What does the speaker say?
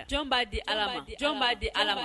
Jɔn b'a di b'a di ala ma